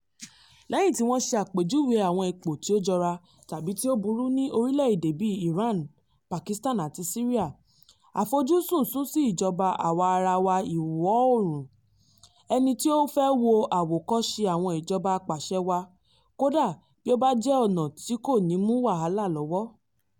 Lẹ́yìn tí wọ́n ṣe àpèjúwe àwọn ipò tí ó jọra (tàbí tí ó burú) ní àwọn orílẹ̀ èdè bíi Iran, Pakistan àti Syria, àfojúsùn sún sí ìjọba àwa ara wa ìwọ oòrùn - ẹni tí ó fẹ́ wo àwòkọ́ṣe àwọn ìjọba apàṣẹ wàá, kódà bí ó bá jẹ́ ọ̀nà tí kò ní mú wàhálà lọ́wọ́.